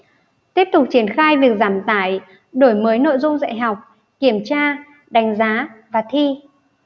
tiếp tục triển khai việc giảm tải đổi mới nội dung dạy học kiểm tra đánh giá và thi